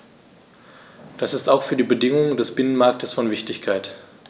Das ist auch für die Bedingungen des Binnenmarktes von Wichtigkeit.